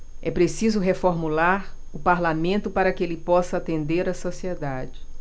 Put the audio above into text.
é preciso reformular o parlamento para que ele possa atender a sociedade